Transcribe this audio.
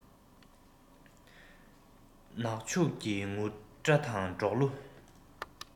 གནག ཕྱུགས ཀྱི ངུར སྒྲ དང འབྲོག གླུ